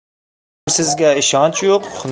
ilmsizga ishonch yo'q